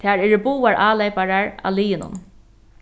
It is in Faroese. tær eru báðar áleyparar á liðinum